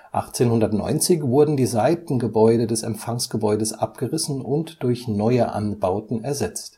1890 wurden die Seitengebäude des Empfangsgebäudes abgerissen und durch neue Anbauten ersetzt